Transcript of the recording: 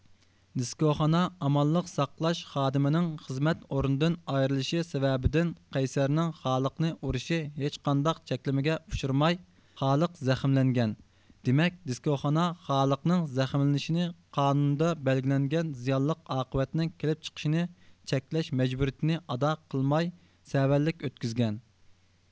دېسكوخانا ئامانلىق ساقلاش خادىمىنىڭ خىزمەت ئورنىدىن ئايرىلىشى سەۋەبىدىن قەيسەرنىڭ خالىقنى ئۇرۇشى ھېچقانداق چەكلىمىگە ئۇچرىماي خالىق زەخمىلەنگەن دىمەك دېسكوخانا خالىقنىڭ زەخمىلىنىشى قانۇندا بەلگىلەنگەن زىيانلىق ئاقىۋەتنىڭ كىلىپ چىقىشىنى چەكلەش مەجبۇرىيتىنى ئادا قىلماي سەۋەنلىك ئۆتكۈزگەن